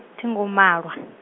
thi ngo malwa .